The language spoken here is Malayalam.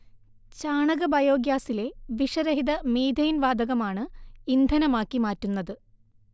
ചാണക ബയോഗ്യാസിലെ വിഷരഹിത മീഥെയ് ൻ വാതകമാണ് ഇന്ധനമാക്കി മാറ്റുന്നത്